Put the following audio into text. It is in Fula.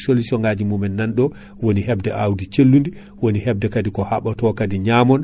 mais walo kam waɗi ko awre wotere eyyi min gandi ɗo kaadi so waɗama commande palette goɗɗo